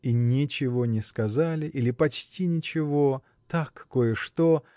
И ничего не сказали или почти ничего так кое-что